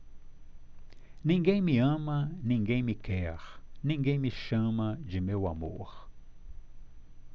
ninguém me ama ninguém me quer ninguém me chama de meu amor